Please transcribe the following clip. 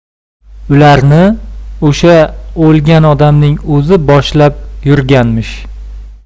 ularni o'sha o'lgan odamning o'zi boshlab yurganmish